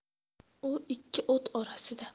u ikki o't orasida